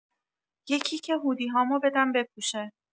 یکی که هودی هامو بدم بپوشه